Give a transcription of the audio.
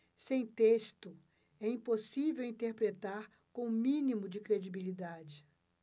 sem texto é impossível interpretar com o mínimo de credibilidade